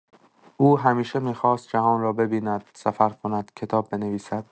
او همیشه می‌خواست جهان را ببیند، سفر کند، کتاب بنویسد.